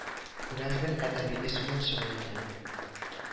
Күрәсең әдәби эш белән шөгыльләнә